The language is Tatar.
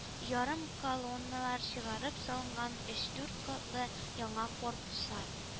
Ярым колонналар чыгарып салынган өч-дүрт катлы яңа корпуслар